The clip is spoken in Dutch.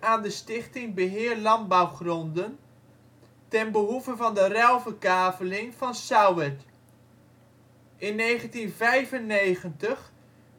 aan de Stichting Beheer Landbouwgronden ten behoeve van de ruilverkaveling van Sauwerd. In 1995